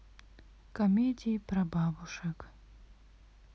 комедии про бабушек